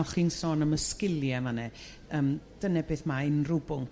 O'ch chi'n sôn am y sgilie man'e yrm dyne beth ma' unryw bwnc